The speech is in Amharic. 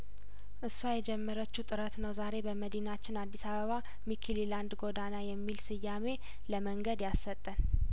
እሷ የጀመረችው ጥረት ነው ዛሬ በመዲናችን አዲስ አበባ ሚኪሊላንድ ጐዳና የሚል ስያሜ ለመንገድ ያሰጠን